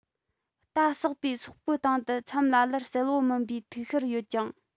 རྟ ཟེག པའི སོག པའི སྟེང དུ མཚམས ལ ལར གསལ པོ མིན པའི ཐིག ཤར ཡོད ཅིང